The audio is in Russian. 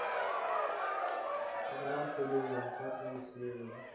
гранд элеон пятая серия